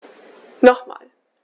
Nochmal.